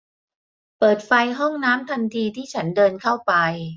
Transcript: เปิดไฟห้องน้ำทันทีที่ฉันเดินเข้าไป